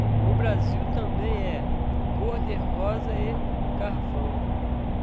o brasil também é cor de rosa e carvão